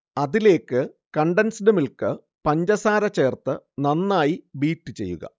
അതിലേക്ക് condensed milk, പഞ്ചസാര ചേർത്ത് നന്നായി ബീറ്റ് ചെയ്യുക